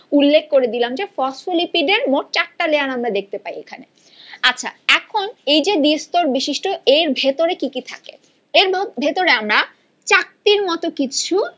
উল্লেখ করে দিলাম যে ফসফোলিপিড এর মোট চারটা লেয়ার আমরা দেখতে পাই এখানে আচ্ছা এখন এই যে দ্বি-স্তরবিশিষ্ট এর ভেতরে কি কি থাকে এর ভিতরে আমরা চাকতির মত কিছু